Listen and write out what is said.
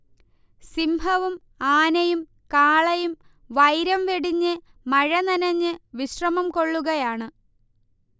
സിംഹവും ആനയും കാളയും വൈരം വെടിഞ്ഞ് മഴനനഞ്ഞ് വിശ്രമം കൊള്ളുകയാണ്